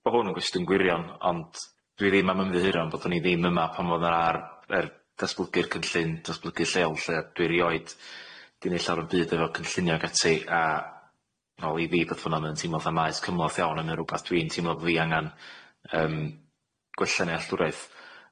Yym gwbo hwn yn gwestiwn gwirion ond dwi ddim am ymddiheuro am bod o'n i ddim yma pam o'dd o ar yr ddatblygu'r cynllun datblygu lleol lly dwi erioed di neud llawer o'm byd efo cynllunio ag ati a wol i fi bod hwnna'n yn teimlo fatha maes cymhleth iawn a'n rwbath dwi'n teimlo bo' fi angan yym gwella'n nealltwraeth.